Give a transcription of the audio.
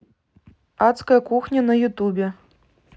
адская кухня на ютубе